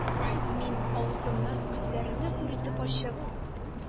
Мин, авызымны, күзләремне зур итеп ачып,